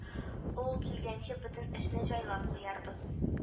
Ул килгәнче бөтен эшне җайлап куярбыз